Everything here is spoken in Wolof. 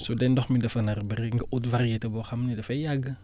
su dee ndox mi dafa nar a bari nga ut variété boo xam ne dafay yàgg